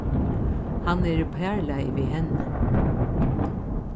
hann er í parlagi við henni